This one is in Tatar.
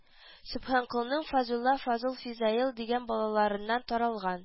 Сөбханколның фазулла-фазул фазаил дигән балаларындан таралганлар